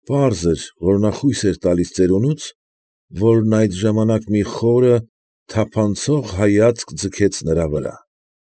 Պարզ էր, որ նա խույս էր տալիս ծերունուց, որն այդ ժամանակ մի խորը, թափանցող հայացք ձգեց նրա վրա։